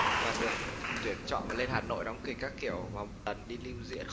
và được tuyển chọn và lên hà nội đóng kịch các kiểu và một lần đi lưu diễn